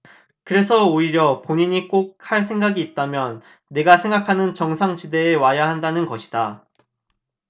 그래서 오히려 본인이 꼭 할 생각이 있다면 내가 생각하는 정상지대에 와야 한다는 것이다